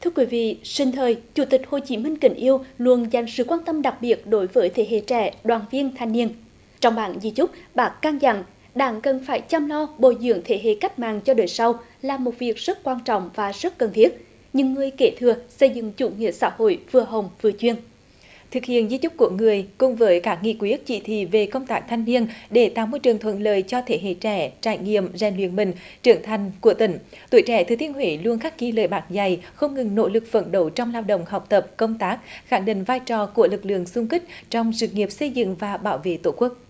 thưa quý vị sinh thời chủ tịch hồ chí minh kính yêu luôn dành sự quan tâm đặc biệt đối với thế hệ trẻ đoàn viên thanh niên trong bản di chúc bác căn dặn đảng cần phải chăm lo bồi dưỡng thế hệ cách mạng cho đời sau là một việc rất quan trọng và sức cần thiết nhưng người kế thừa xây dựng chủ nghĩa xã hội vừa hồng vừa chuyên thực hiện di chúc của người cùng với các nghị quyết chỉ thị về công tác thanh niên để tạo môi trường thuận lợi cho thế hệ trẻ trải nghiệm rèn luyện mình trưởng thành của tỉnh tuổi trẻ thừa thiên huế luôn khắc ghi lời bác dạy không ngừng nỗ lực phấn đấu trong lao động học tập công tác khẳng định vai trò của lực lượng xung kích trong sự nghiệp xây dựng và bảo vệ tổ quốc